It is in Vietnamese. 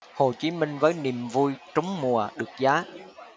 hồ chí minh với niềm vui trúng mùa được giá